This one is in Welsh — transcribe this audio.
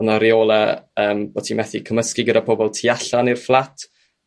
o 'na reole yym bo' ti methu cymysgu gyda pobol tu allan i'r fflat